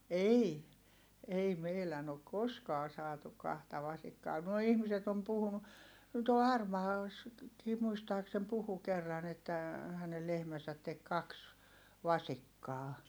ei ei meidän ole koskaan saatu kahta vasikkaa nuo ihmiset on puhunut tuolla Harmaalassakin muistaakseni puhui kerran että hänen lehmänsä teki kaksi vasikkaa